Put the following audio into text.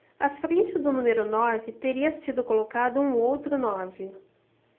à frente do número nove teria sido colocado um outro nove